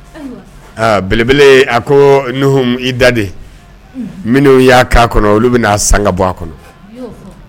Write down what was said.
Belebele a ko i da minnu y'aa kɔnɔ olu bɛa san ka bɔ kɔnɔ